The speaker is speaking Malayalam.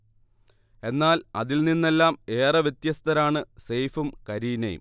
എന്നാൽ, അതിൽ നിന്നെല്ലാംഏറെ വ്യത്യസ്തരാണ് സെയ്ഫും കരീനയും